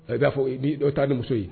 A i b'a fɔ taa ni muso ye